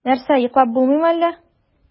Нәрсә, йоклап булмыймы әллә?